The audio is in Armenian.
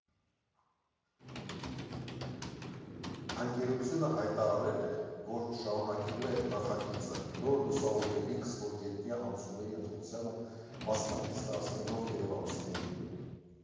Ընկերությունը հայտարարել էր, որ շարունակելու է նախագիծը՝ նոր լուսավորվելիք ստորգետնյա անցումների ընտրությանը մասնակից դարձնելով երևանցիներին։